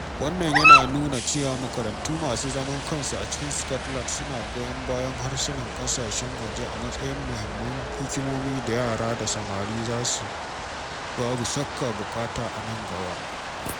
Wannan yana nuna cewa makarantu masu zaman kansu a cikin Scotland suna goyon bayan harsunan ƙasashen waje a matsayin muhimman hikimomi da yara da samari za su babu shakka buƙata a nan gaba.